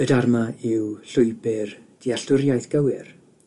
Y Dharma yw llwybr dealltwriaeth gywir,